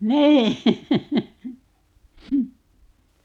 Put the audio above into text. niin